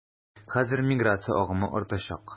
Хәзер миграция агымы артачак.